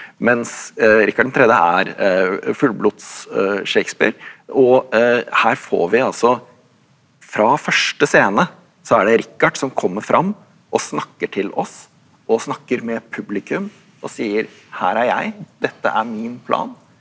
mens Rikard den tredje er fullblods Shakespeare og her får vi altså fra første scene så er det Rikard som kommer fram og snakker til oss og snakker med publikum og sier her er jeg, dette er min plan.